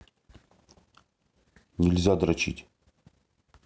нельзя дрочить